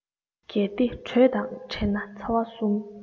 གལ ཏེ དྲོད དང བྲལ ན ཚ བ གསུམ